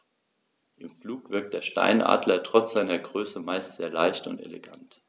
Im Flug wirkt der Steinadler trotz seiner Größe meist sehr leicht und elegant.